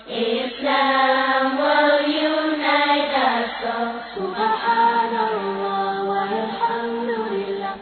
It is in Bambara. San mɔinɛ wa